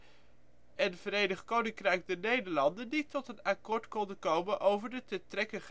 het Verenigd Koninkrijk der Nederlanden niet tot een akkoord konden komen over de te trekken